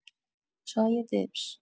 چای دبش